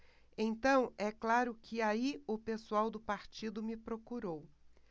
então é claro que aí o pessoal do partido me procurou